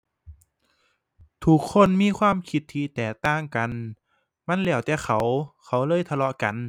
ทุกคนมีความคิดที่แตกต่างกัน มันแล้วแต่เขา เขาเลยทะเลาะกัน